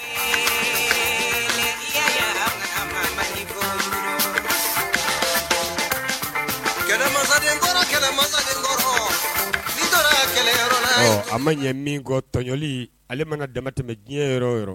Jaajaa, mɔgɔ ma mandi Kɛlɛ massden kɔrɔ,, kɛlɛ massden kɔrɔ, n'i taala kɛlɛ yɔrɔ la, Ɔ, a ma ɲɛn min tɔɲɔli, ale mana dama tɛmɛ diɲɛ yɔrɔ yɔrɔ